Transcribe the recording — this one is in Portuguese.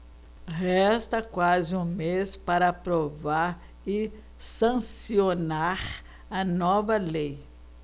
resta quase um mês para aprovar e sancionar a nova lei